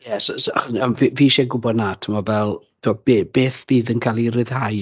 Ie, so, achos fi fi isie gwybod 'na timod fel timod, be beth fydd yn cael ei ryddhau?